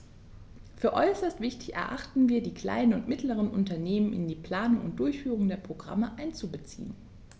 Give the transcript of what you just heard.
Für äußerst wichtig erachten wir, die kleinen und mittleren Unternehmen in die Planung und Durchführung der Programme einzubeziehen.